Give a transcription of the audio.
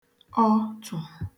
ọtụ̀